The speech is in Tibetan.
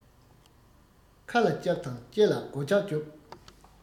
ཁ ལ ལྕགས དང ལྕེ ལ སྒོ ལྕགས རྒྱོབ